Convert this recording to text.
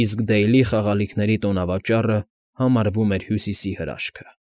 Իսկ Դեյլի խաղալաիքների տոնավաճառը համարվում էր Հյուսիսի հրաշքը։